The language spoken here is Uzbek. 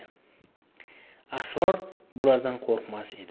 sror bulardan qurqmas edi